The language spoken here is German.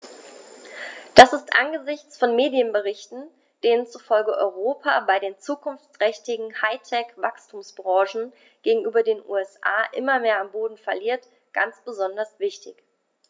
Das ist angesichts von Medienberichten, denen zufolge Europa bei den zukunftsträchtigen High-Tech-Wachstumsbranchen gegenüber den USA immer mehr an Boden verliert, ganz besonders wichtig.